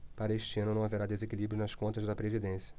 para este ano não haverá desequilíbrio nas contas da previdência